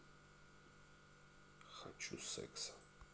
хочу секса